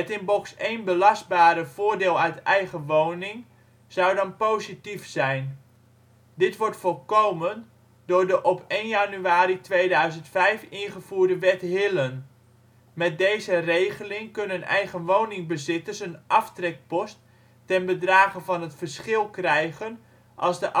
in box 1 belastbare " voordeel uit eigen woning " zou dan positief zijn. Dit wordt voorkomen door de op 1 januari 2005 ingevoerde wet Hillen. Met deze regeling kunnen eigenwoningbezitters een aftrekpost ten bedrage van het verschil krijgen als de